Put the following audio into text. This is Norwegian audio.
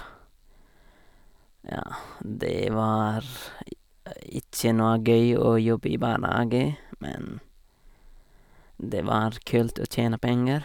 Ja, det var i ikke noe gøy å jobbe i barnehage, men det var kult å tjene penger.